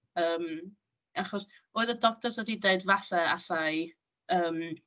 Yym. Achos, oedd y doctors wedi deud, falle alla i yym...